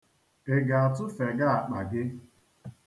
Ị ga-atụfega akpa gị?